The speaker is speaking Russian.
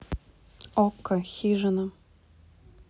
окко хижина